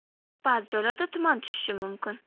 ba'zi joylarga tuman tushishi mumkin